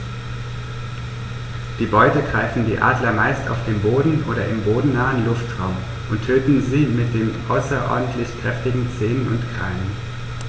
Die Beute greifen die Adler meist auf dem Boden oder im bodennahen Luftraum und töten sie mit den außerordentlich kräftigen Zehen und Krallen.